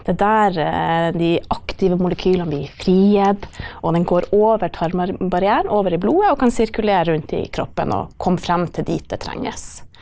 det er der de aktive molekylene blir frigitt, og den går over barrieren, over i blodet og kan sirkulere rundt i kroppen og komme frem til dit det trenges.